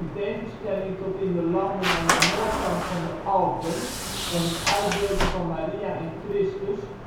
tegenstelling tot in de landen aan de noordkant van de Alpen was het uitbeelden van Maria en Christus